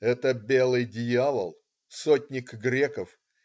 Это - Белый дьявол, сотник Греков.